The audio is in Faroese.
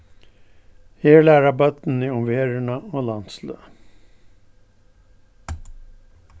her læra børnini um verðina og landsløg